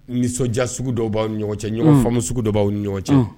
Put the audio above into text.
Nisɔndiya sugu dɔw b'aw ɲɔgɔn cɛ ɲɔgɔn faamumu sugu dɔw b aw ni ɲɔgɔn cɛ